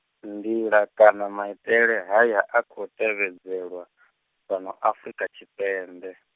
nḓila kana maitele haya a khou tevhedzelwa , fhano Afurika Tshipembe.